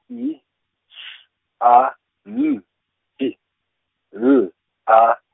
I, S, A, N, D, L, A.